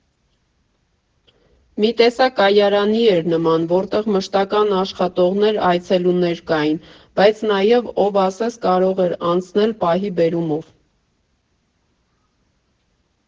Մի տեսակ կայարանի էր նման, որտեղ մշտական աշխատողներ այցելուներ կային, բայց նաև ով ասես կարող էր անցնել պահի բերումով։